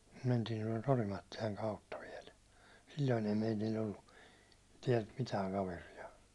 mentiin tuolta Orimattilan kautta vielä silloin ei meillä ollut täältä mitään kaveria